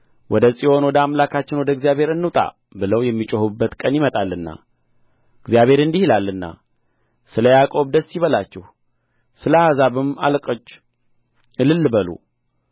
ወደ ጽዮን ወደ አምላካችን ወደ እግዚአብሔር እንውጣ ብለው የሚጮኹበት ቀን ይመጣልና እግዚአብሔር እንዲህ ይላልና ስለ ያዕቆብ ደስ ይበላችሁ ስለ አሕዛብም አለቆች እልል በሉ